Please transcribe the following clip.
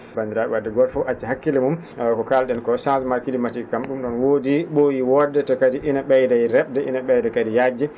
banndiraa?e wadde gooto fof acca hakkille mum e ko kaal?en koo changement climatique kam ?um ?oon woodii ?ooyii woodde te kadi ina ?eyda e re?de ina ?eyda kadi yaajde